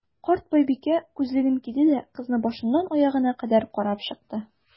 Карт байбикә, күзлеген киде дә, кызны башыннан аягына кадәр карап чыкты.